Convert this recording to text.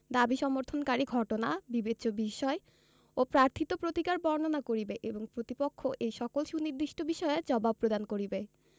দাবী সমর্থনকারী ঘটনা বিবেচ্য বিষয় ও প্রার্থীত প্রতিকার বর্ণনা করিবে এবং প্রতিপক্ষ এই সকল সুনির্দিষ্ট বিষয়ে জবাব প্রদান করিবে